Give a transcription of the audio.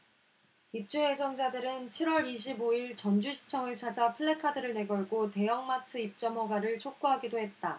입주 예정자들은 칠 월 이십 오 일 전주시청을 찾아 플래카드를 내걸고 대형마트 입점 허가를 촉구하기도 했다